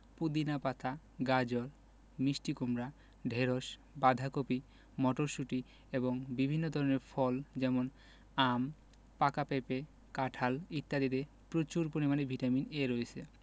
পুদিনা পাতা গাজর মিষ্টি কুমড়া ঢেঁড়স বাঁধাকপি মটরশুঁটি এবং বিভিন্ন ধরনের ফল যেমন আম পাকা পেঁপে কাঁঠাল ইত্যাদিতে প্রচুর পরিমানে ভিটামিন A রয়েছে